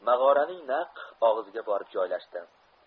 mag'oraning naq og'ziga borib joylashdi